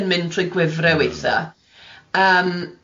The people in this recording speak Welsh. yn mynd trwy gwyfre weithe yym